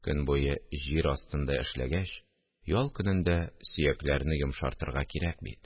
Көн буе җир астында эшләгәч, ял көнендә сөякләрне йомшартырга кирәк бит